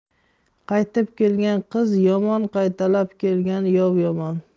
qaytib kelgan qiz yomon qaytalab kelgan yov yomon